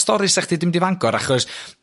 stori 'sa chdi 'di mynd i Fangor achos